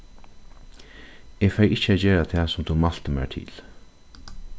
eg fari ikki at gera tað sum tú mælti mær til